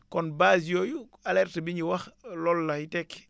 kon bases yooyu alerte bi ñu wax loolu lay tekki